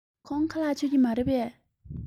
ཁོང ཁ ལག མཆོད ཀྱི མ རེད པས